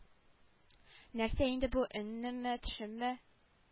Нәрсә инде бу өнемме төшемме